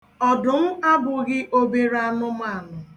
Ọdụm abụghị obere anụmaanụ.